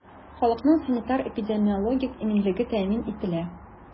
Халыкның санитар-эпидемиологик иминлеге тәэмин ителә.